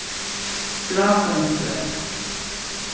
grásteinsgøta